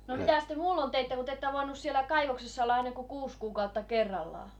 no mitäs te muulloin teitte kun te ette ole voinut siellä kaivoksessa olla aina kuin kuusi kuukautta kerrallaan